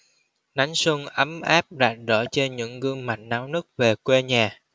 nắng xuân ấm áp rạng rỡ trên những gương mặt náo nức về quê nhà